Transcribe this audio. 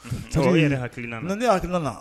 Tama ye hakiliki na ne hakiliki na